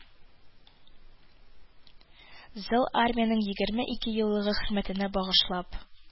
Зыл армиянең егерме ике еллыгы хөрмәтенә багышлап,